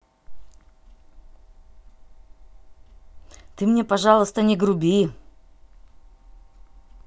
ты мне пожалуйста не груби